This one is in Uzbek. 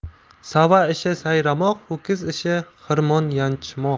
sa'va ishi sayramoq ho'kiz ishi xirmon yanchmoq